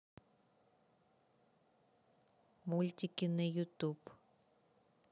мультики на ютуб